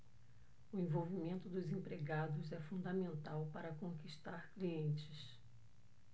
o envolvimento dos empregados é fundamental para conquistar clientes